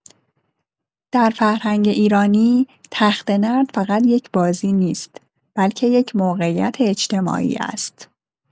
در فرهنگ ایرانی، تخته‌نرد فقط یک بازی نیست، بلکه یک موقعیت اجتماعی است.